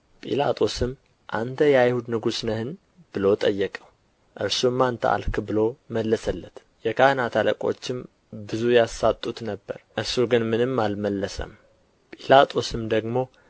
ጲላጦስም አንተ የአይሁድ ንጉሥ ነህን ብሎ ጠየቀው እርሱም አንተ አልህ ብሎ መለሰለት የካህናት አለቆችም ብዙ ያሳጡት ነበር እርሱ ግን ምንም አልመለሰም ጲላጦስም ደግሞ